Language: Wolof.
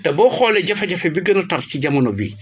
te boo xoolee jafe-jafe bi gën a tar ci jamono bii